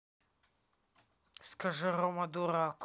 скажи рома дурак